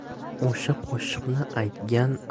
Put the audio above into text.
o'sha qo'shiqni aytgan